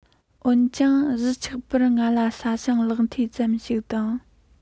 འོན ཀྱང གཞིས ཆགས པར ང ལ ས ཞིང ལག འཐིལ ཙམ ཞིག དང